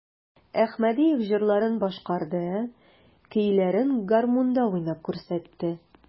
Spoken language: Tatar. Әхмәдиев җырларын башкарды, көйләрен гармунда уйнап күрсәтте.